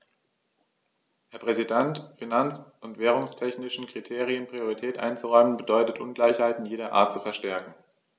Herr Präsident, finanz- und währungstechnischen Kriterien Priorität einzuräumen, bedeutet Ungleichheiten jeder Art zu verstärken.